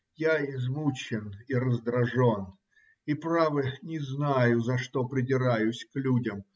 - Я измучен и раздражен и, право, не знаю, за что придираюсь к людям.